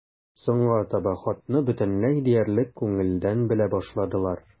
Соңга таба хатны бөтенләй диярлек күңелдән белә башладылар.